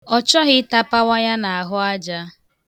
Ọ chọghị ịtapawa ya n'ahụ aja.